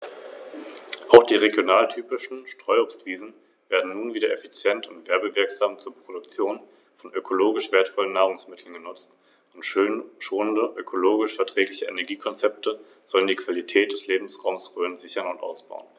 Die Stacheligel haben als wirksame Verteidigungswaffe Stacheln am Rücken und an den Flanken (beim Braunbrustigel sind es etwa sechs- bis achttausend).